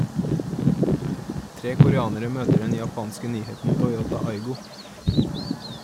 Tre koreanere møter den japanske nyheten Toyota Aygo.